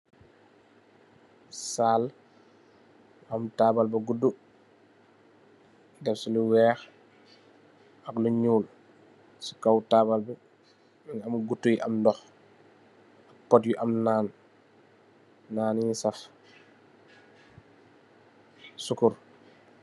Sal am tabal bu guddu def lu wèèx ak lu ñuul, ci kaw taball bi mugii am guttu yu am ndox, pót yu am naan, naan yu saf sukurr.